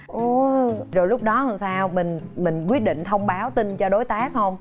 ô rồi lúc đó làm sao mình mình quyết định thông báo tin cho đối tác không